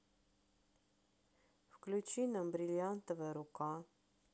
включи нам бриллиантовая рука